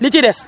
li ci des